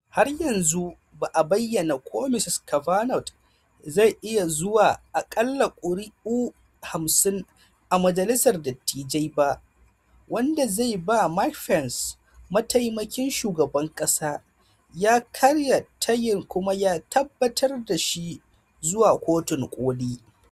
Har yanzu ba a bayyana ko Mr Kavanaugh zai iya zuwa akalla kuri'u 50 a Majalisar Dattijai ba, wanda zai ba Mike Pence, mataimakin shugaban kasa, ya karya tayin kuma ya tabbatar da shi zuwa Kotun Koli.